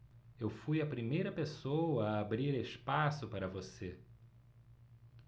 eu fui a primeira pessoa a abrir espaço para você